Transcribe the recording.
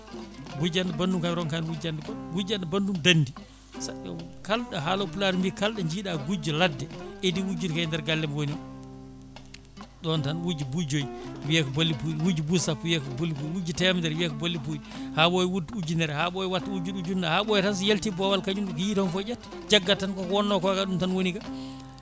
gujjanɗo bandum kayi ronkani wujjande goɗɗo gujjanɗo bandum dandi haaloɓe Pulaar mbi kalɗo jiiɗa gujjo ladde idi wujjude koye nder galle mo woni o ɗon tan wujja mbuɗi jooyi wiiye ko bolle puyɗe wujja mbuɗi sappo wiiye ko bolle puyɗe wujja temedere wiiye ko bolle puyɗe ha ɓooya wujja ujunere ha ɓooya watta wujjude ujunaje ha ɓooya tan so halti boowal kañumne ko yii toon foof ƴetta jaggata tan koko wonno ko ga ɗum tan woni ga